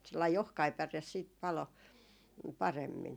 sellainen ohkainen päre sitten paloi paremmin